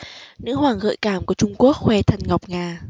nữ hoàng gợi cảm của trung quốc khoe thân ngọc ngà